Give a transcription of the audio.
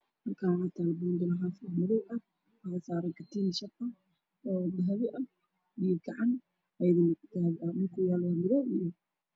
Halkaan waxaa ka muuqdo boombale haaf ah oo madaw ah oo qoorta oga jiro dahab